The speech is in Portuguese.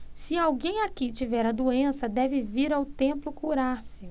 se alguém aqui tiver a doença deve vir ao templo curar-se